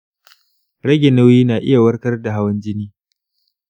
rage nauyi na iya warkar da hawan jini?